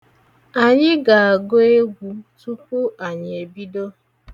Anyị ga-agụ egwu tupu anyị ebido.